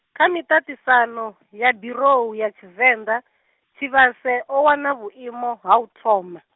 kha miṱaṱisano, ya birou ya Tshivenḓa, Tshivhase o wana vhuimo, ha uthoma.